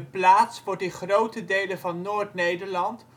plaats wordt in grote delen van Noord-Nederland